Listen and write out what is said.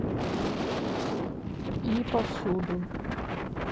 и повсюду